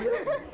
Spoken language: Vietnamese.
á